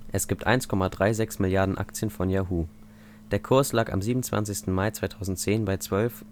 Es gibt 1,36 Milliarden Aktien von Yahoo. Der Kurs lag am 27. Mai 2010 bei 12,57 Euro